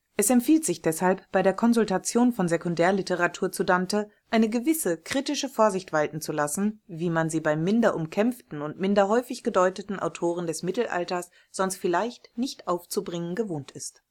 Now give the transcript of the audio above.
Es empfiehlt sich deshalb, bei der Konsultation von Sekundärliteratur zu Dante eine gewisse kritische Vorsicht walten zu lassen, wie man sie bei minder umkämpften und minder häufig gedeuteten Autoren des Mittelalters sonst vielleicht nicht aufzubringen gewohnt ist